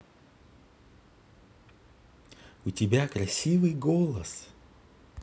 у тебя красивый голос